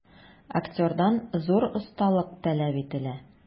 Актердан зур осталык таләп ителә.